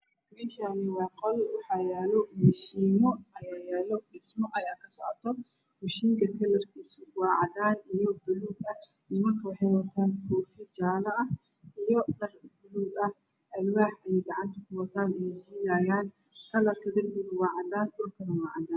Meshan waa qol waxa yaalo mashiino dhismo ayaa kasocoto mashiinka kalarkisa waa cadan iyo baluug nimankawaxey watan kofiyojalloah iyo dhar balugah Alwax ayey gacantakawatan ayxirayan kalarkaderbiga waacadan dhulkanawaacadan